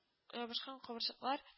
Ябышкан кабырчыклар